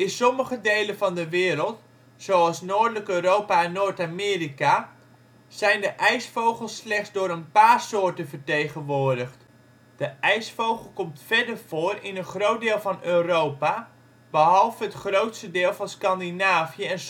sommige delen van de wereld, zoals noordelijk Europa en Noord-Amerika, zijn de ijsvogels slechts door een paar soorten vertegenwoordigd. De ijsvogel komt verder voor in een groot deel van Europa, behalve het grootste deel van Scandinavië en Schotland